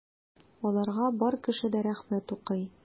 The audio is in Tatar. Аларга бар кеше дә рәхмәт укый.